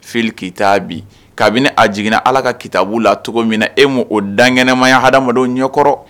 kabini a jiginna Ala ka kitabu la togo minna e m'o o daŋɛnɛmaya hadamadenw ɲɛkɔrɔ